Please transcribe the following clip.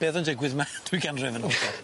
Be' o'dd yn digwydd ma' dwy ganrif yn ôl te?